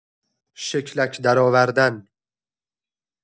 شکلک درآوردن